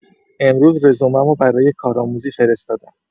امروز رزومه‌مو برای کارآموزی فرستادم